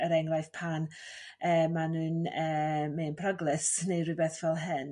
er enghraiff pan e maen n'w'n e mewn peryglus neu rhywbeth fel hyn